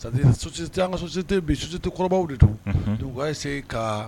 Sadi an kasite bisusite kɔrɔbaww de don u'se ka